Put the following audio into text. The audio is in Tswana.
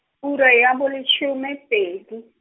ura ya bolesome pedi.